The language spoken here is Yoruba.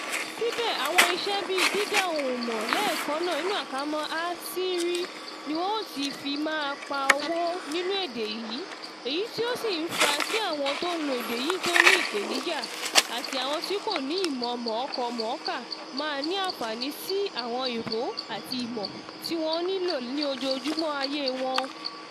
Síbẹ̀ àwọn iṣẹ́ bíì dída ohùn mọ̀ lẹ́ẹ̀kannáà (ASR) ni wọ̀n ò tìí fi máá pa owó nínú èdè yìí, èyí tí ó sì ń fàá kí àwọn tó ń lo èdè yìí tó ni ìpenìjà àti àwọn tí kò ní ìmọ̀ mọ̀ọ́kọ-mọ̀ọ́ka mà ní àńfààní sí àwọn ìró àtí ìmọ̀ tí wọ́n nílò ní ojoójúmọ́ ayé wọn.